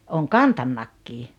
olen kantanutkin